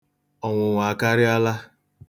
Ọnwụnwa akarịala.